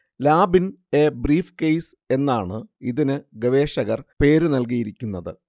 lab in a briefcase എന്നാണു ഇതിനു ഗവേഷകർ പേര് നല്കിയിരിക്കുന്നത്